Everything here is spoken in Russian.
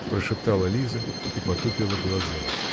-- прошептала Лиза и потупила глаза.